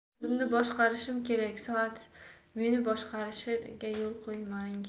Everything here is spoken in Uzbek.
men o'zimni boshqarishim kerak soat meni boshqarishiga yo'l qo'ymang